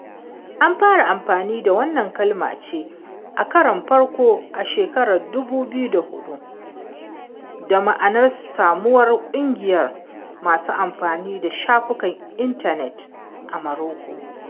An fara amfani da wannan kalma ce a karon farko a shekara 2004 da ma'anar samuwar ƙungiyar masu amfani da shafukan intanet a Marocco.